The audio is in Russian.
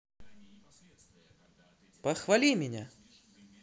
похвали меня